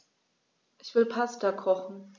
Ich will Pasta kochen.